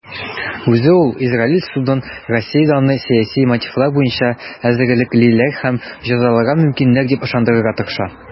Үзе ул Израиль судын Россиядә аны сәяси мотивлар буенча эзәрлеклиләр һәм җәзаларга мөмкиннәр дип ышандырырга тырыша.